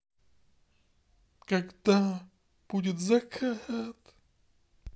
когда будет закат